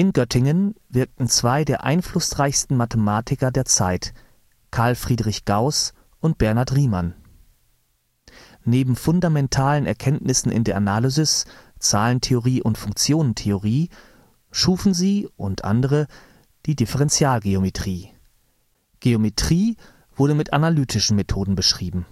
Göttingen wirkten zwei der einflussreichsten Mathematiker der Zeit, Carl Friedrich Gauß und Bernhard Riemann. Neben fundamentalen Erkenntnissen in der Analysis, Zahlentheorie, Funktionentheorie schufen sie und andere die Differentialgeometrie – Geometrie wurde mit analytischen Methoden beschrieben